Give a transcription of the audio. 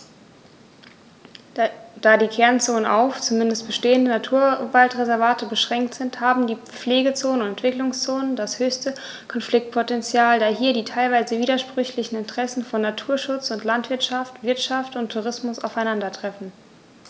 Da die Kernzonen auf – zumeist bestehende – Naturwaldreservate beschränkt sind, haben die Pflegezonen und Entwicklungszonen das höchste Konfliktpotential, da hier die teilweise widersprüchlichen Interessen von Naturschutz und Landwirtschaft, Wirtschaft und Tourismus aufeinandertreffen.